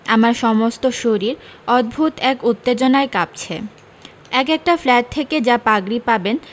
আমার সমস্ত শরীর অদ্ভুত এক উত্তেজনায় কাঁপছে এক একটা ফ্ল্যাট থেকে যা পাগড়ি পাবেন